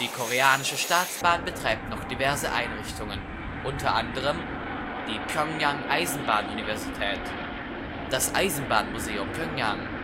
Koreanische Staatsbahn betreibt noch diverse Einrichtungen, u. a.: Pyongyang Eisenbahn-Universität Eisenbahnmuseum Pjöngjang